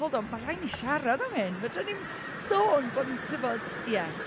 hold on, ma' raid i ni siarad am hyn, fedran ni’m sôn bo’ ni tibod, ia.